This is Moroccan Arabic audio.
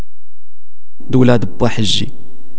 دولاب الضجيج